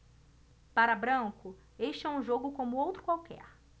para branco este é um jogo como outro qualquer